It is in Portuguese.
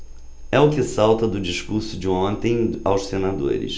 é o que salta do discurso de ontem aos senadores